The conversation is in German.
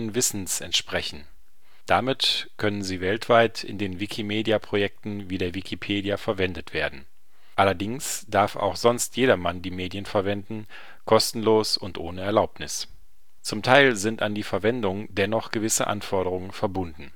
Wissens entsprechen. Damit können sie weltweit in den Wikimedia-Projekten wie der Wikipedia verwendet werden. Allerdings darf auch sonst jedermann die Medien verwenden, kostenlos und ohne Erlaubnis. Zum Teil sind an die Verwendung dennoch gewisse Anforderungen verbunden